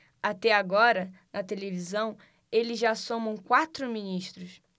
até agora na televisão eles já somam quatro ministros